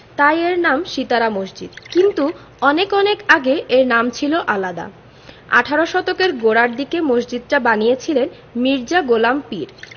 তাই এর নাম সিতারা মসজিদ কিন্তু অনেক অনেক আগে এর নাম ছিল আলাদা আঠারো শতকের গোড়ার দিকে মসজিদটা বানিয়েছিলেন মির্জা গোলাম পীর